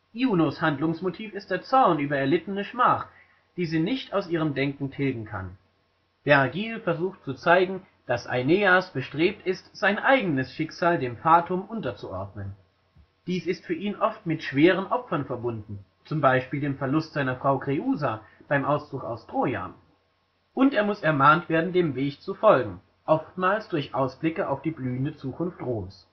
Junos Handlungsmotiv ist der Zorn über erlittene Schmach, die sie nicht aus ihrem Denken tilgen kann. Vergil versucht zu zeigen, dass Aeneas bestrebt ist, sein eigenes Schicksal dem fatum unterzuordnen. Dies ist für ihn oft mit schweren Opfern verbunden (z. B. dem Verlust seiner Frau Creusa beim Auszug aus Troja) und er muss ermahnt werden, dem Weg zu folgen – oftmals durch Ausblicke auf die blühende Zukunft Roms